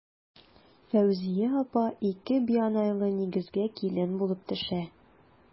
Фәүзия апа ике бианайлы нигезгә килен булып төшә.